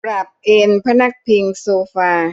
ปรับเอนพนักพิงโซฟา